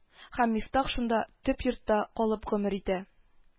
Һәм мифтах шунда – төп йортта калып гомер итә